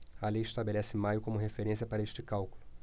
a lei estabelece maio como referência para este cálculo